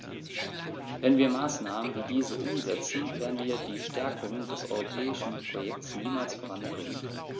Wenn wir Maßnahmen wie diese umsetzen, werden wir die Stärkung des europäischen Projekts niemals voranbringen.